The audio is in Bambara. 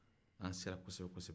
an sera kosɛbɛ kosɛbɛ